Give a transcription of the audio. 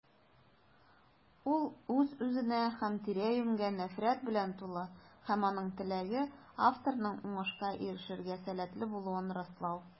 Ул үз-үзенә һәм тирә-юньгә нәфрәт белән тулы - һәм аның теләге: авторның уңышка ирешергә сәләтле булуын раслау.